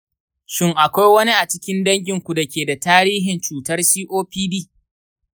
shin akwai wani a cikin danginku da ke da tarihin cutar copd?